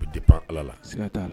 U de pan ala la s ka t'a la